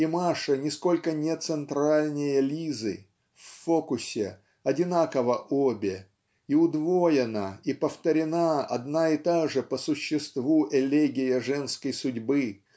и Маша нисколько не центральнее Лизы в фокусе одинаково обе и удвоена и повторена одна и та же по существу элегия женской судьбы